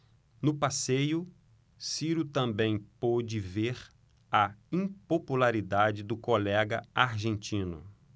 no passeio ciro também pôde ver a impopularidade do colega argentino